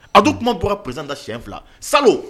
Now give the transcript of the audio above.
A dun kuma bɔra président da siɲɛ fila salon.